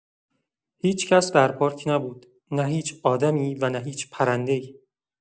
هیچ‌کس در پارک نبود؛ نه هیچ آدمی و نه هیچ پرنده‌ای.